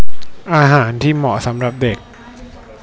อาหารที่เหมาะสำหรับเด็ก